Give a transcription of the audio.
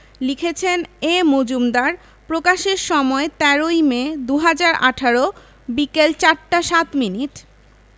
লিখেছেনঃ এ মজুমদার প্রকাশের সময় ১৩ই মে ২০১৮ বিকেল ৪ টা ০৭ মিনিট